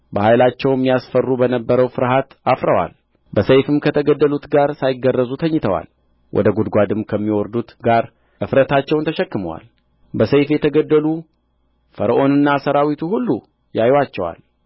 በኃይላቸውም ያስፈሩ በነበረው ፍርሃት አፍረዋል በሰይፍም ከተገደሉት ጋር ሳይገረዙ ተኝተዋል ወደ ጕድጓድም ከሚወርዱት ጋር እፍረታቸውን ተሸክመዋል በሰይፍ የተገደሉ